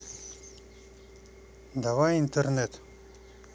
давайте интернет